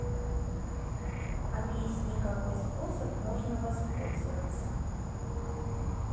объясни какой способ можно воспользоваться